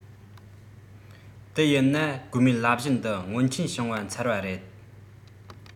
དེ ཡིན ན དགོས མེད ལབ གཞི འདི སྔོན ཆད བྱུང བ ཚར བ རེད